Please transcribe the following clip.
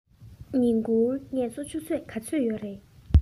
ཉིན གུང ངལ གསོ ཆུ ཚོད ག ཚོད ཡོད རས